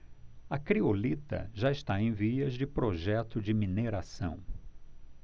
a criolita já está em vias de projeto de mineração